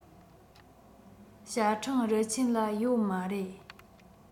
ཞ ཁྲེང རུ ཆེན ལ ཡོད མ རེད